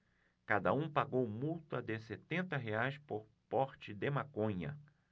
cada um pagou multa de setenta reais por porte de maconha